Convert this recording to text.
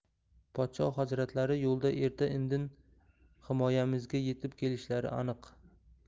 podsho hazratlari yo'lda erta indin himoyamizga yetib kelishlari aniq